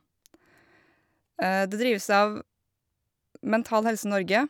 Det drives av Mental Helse Norge.